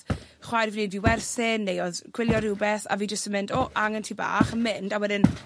chwaer fi 'di werthin ne' odd gwylio rwbeth a fi jyst yn mynd o angen tŷ bach a mynd a wedyn